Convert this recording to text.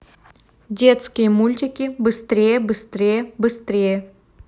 детские мультики быстрее быстрее быстрее